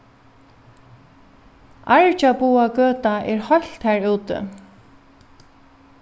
argjaboðagøta er heilt har úti